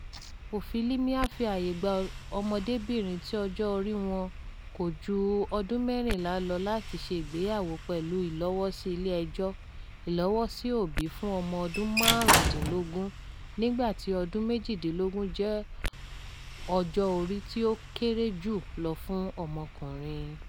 Òfin LMA fi àyè gba ọmọdébìnrin tí ọjọ́ oríi wọn kò ju ọdún mẹ́rìnlá lọ láti ṣe ìgbéyàwó pẹ̀lú ìlọ́wọ́sí ilé-ẹjọ́, ìlọ́wọ́sí òbí fún ọmọ ọdún márùn-ún-dínlógún, nígbà tí ọdún méjìdínlógún jẹ́ ọjọ́ orí tí ó kéré jù lọ fún ọmọkùnrin.